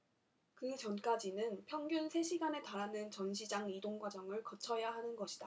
그 전까지는 평균 세 시간에 달하는 전시장 이동과정을 거쳐야 하는 것이다